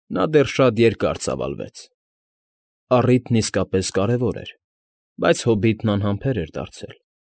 Նա դեռ շատ երկար ծավալվեց։ Առիթն իսկապես կարևոր էր, բայց հոբիտն անհամբեր էր դարձել։